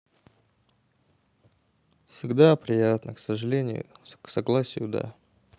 всегда приятно приходить к согласию да